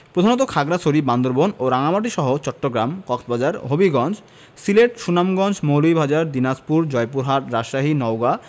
প্রধানত খাগড়াছড়ি বান্দরবান ও রাঙ্গামাটিসহ চট্টগ্রাম কক্সবাজার হবিগঞ্জ সিলেট সুনামগঞ্জ মৌলভীবাজার দিনাজপুর জয়পুরহাট রাজশাহী নওগাঁ